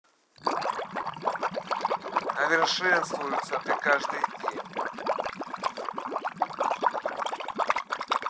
овершенствуются ты каждый день